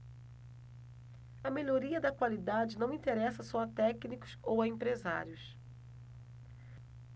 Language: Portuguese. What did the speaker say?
a melhoria da qualidade não interessa só a técnicos ou empresários